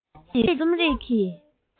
ཁྱོད ཀྱིས རྩོམ རིག གི